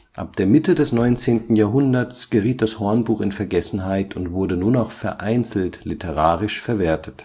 Ab der Mitte des 19. Jahrhunderts geriet das Hornbuch in Vergessenheit und wurde nur noch vereinzelt literarisch verwertet